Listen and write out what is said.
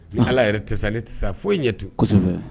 Ala yɛrɛ tɛ ne tɛ foyi ɲɛ to